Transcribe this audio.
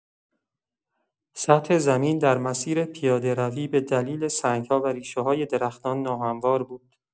سطح زمین در مسیر پیاده‌روی به دلیل سنگ‌ها و ریشه‌های درختان ناهموار بود.